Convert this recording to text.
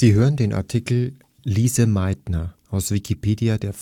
hören den Artikel Lise Meitner, aus Wikipedia, der